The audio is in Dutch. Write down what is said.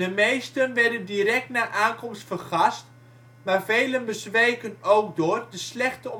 meesten werden direct na aankomst vergast, maar velen bezweken ook door de slechte